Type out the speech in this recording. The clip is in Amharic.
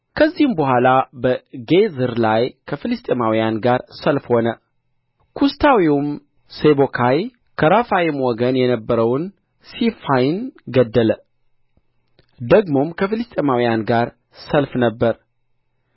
ከዚህም በኋላ በጌዝር ላይ ከፍልስጥኤማውያን ጋር ሰልፍ ሆነ ኩሳታዊውም ሴቦካይ ከራፋይም ወገን የነበረውን ሲፋይን ገደለ ደግሞም ከፍልስጥኤማውያን ጋር ሰልፍ ነበረ